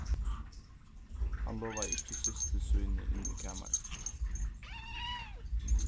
hann lovaði ikki systur síni inn í kamarið